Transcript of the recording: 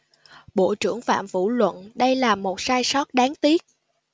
bộ trưởng phạm vũ luận đây là một sai sót đáng tiếc